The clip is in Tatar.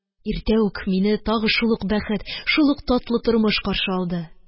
Иртә үк мине тагы шул ук бәхет, шул ук татлы тормыш каршы алды